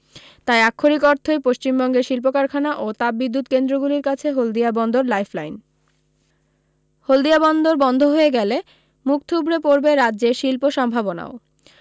তাই আক্ষরিক অর্থই পশ্চিমবঙ্গের শিল্পকারখানা ও তাপবিদ্যুত কেন্দ্রগুলির কাছে হলদিয়া বন্দর লাইফ লাইন হলদিয়া বন্দর বন্ধ হয়ে গেলে মুখ থুবড়ে পড়বে রাজ্যের শিল্প সম্ভাবনাও